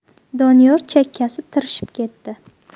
doniyor chakkasi tirishib ketdi